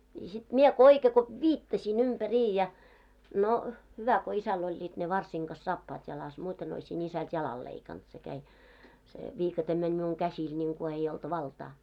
niin sitten minä kun oikein kun viittasin ympäri ja no hyvä kun isällä olivat ne varsien kanssa saappaat jalassa muuten olisin isältä jalan leikannut se kävi se viikate meni minun käsillä niin kuin ei ollut valtaa